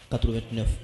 89